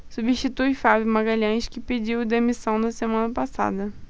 substitui fábio magalhães que pediu demissão na semana passada